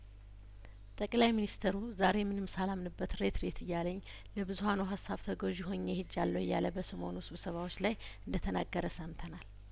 ጠቅላይ ሚኒስተሩ ዛሬ ምንም ሳላምንበት ሬት ሬት እያለኝ ለብዙሀኑ ሀሳብ ተገዥ ሆኜ ሄጃለሁ እያለ በሰሞኑ ስብሰባዎች ላይ እንደተናገረ ሰምተናል